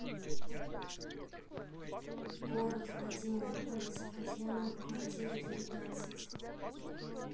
город владимир улица фатьянова квартира девятнадцать